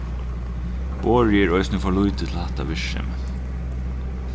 borðið er eisini for lítið til hatta virksemið